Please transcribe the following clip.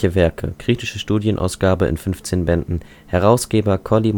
Werke, Kritische Studienausgabe in 15 Bänden, Hrsg. Colli/Montinari